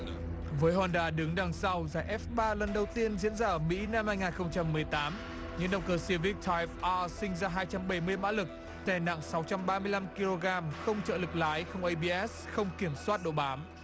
với hon đa đứng đằng sau giải ép ba lần đầu tiên diễn ra ở mỹ năm hai ngàn không trăm mười tám những động cơ xia vít tai a sinh ra hai trăm bảy mươi mã lực đè nặng sáu trăm ba mươi lăm ki lô gam không trợ lực lái không ây bi ét không kiểm soát độ bám